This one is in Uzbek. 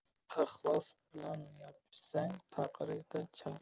ixlos bilan yopishsang taqir yerdan chang chiqar